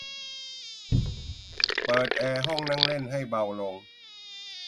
เปิดแอร์ห้องนั่งเล่นให้เบาลง